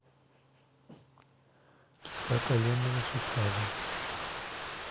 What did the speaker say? киста коленного сустава